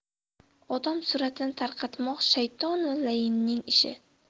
odam suratini tarqatmoq shaytonu lainning ishi